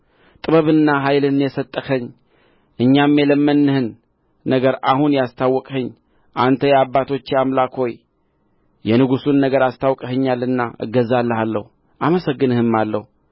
ጥበብንና ኃይልን የሰጠኸኝ እኛም የለመንንህን ነገር አሁን ያስታወቅኸኝ አንተ የአባቶቼ አምላክ ሆይ የንጉሡን ነገር አስታውቀኸኛልና እገዛልሃለሁ አመሰግንህማለሁ